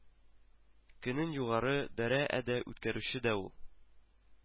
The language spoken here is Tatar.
Көнен югары дәрә әдә үткәрүче дә ул